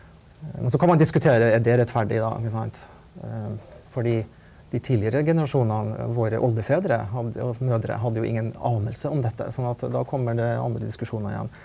men så kan man diskutere er det rettferdig da ikke sant fordi de tidligere generasjonene våre oldefedre hadde og mødre hadde jo ingen anelse om dette sånn at da kommer det andre diskusjoner igjen.